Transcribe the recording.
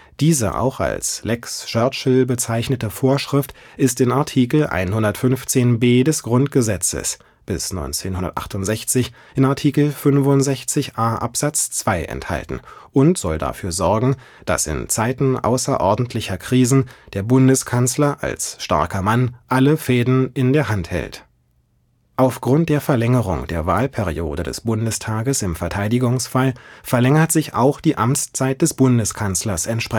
Diese auch als „ lex Churchill “bezeichnete Vorschrift ist in Artikel 115 b des Grundgesetzes (bis 1968 in Artikel 65 a Absatz 2) enthalten und soll dafür sorgen, dass in Zeiten außerordentlicher Krisen der Bundeskanzler als „ starker Mann “alle Fäden in der Hand hält. Aufgrund der Verlängerung der Wahlperiode des Bundestages im Verteidigungsfall verlängert sich auch die Amtszeit des Bundeskanzlers entsprechend